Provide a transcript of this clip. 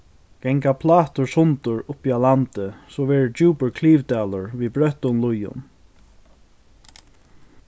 ganga plátur sundur uppi á landi so verður djúpur klyvdalur við brøttum líðum